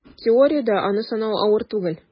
Теориядә аны санау авыр түгел: